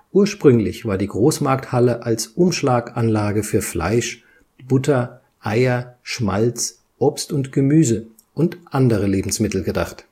Ursprünglich war die Großmarkthalle als Umschlaganlage für Fleisch, Butter, Eier, Schmalz, Obst und Gemüse und andere Lebensmittel gedacht